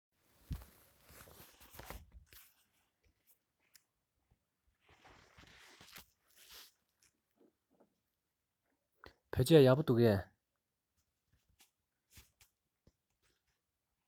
བོད ཆས ཡག པོ འདུག གས